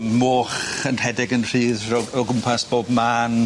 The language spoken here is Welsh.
Moch yn rhedeg yn rhydd ro- o gwmpas bob man.